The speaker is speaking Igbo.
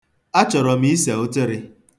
Achọrọ m ise ụtịrị